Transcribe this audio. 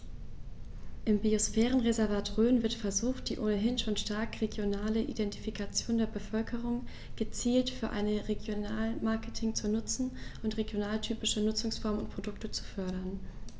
Im Biosphärenreservat Rhön wird versucht, die ohnehin schon starke regionale Identifikation der Bevölkerung gezielt für ein Regionalmarketing zu nutzen und regionaltypische Nutzungsformen und Produkte zu fördern.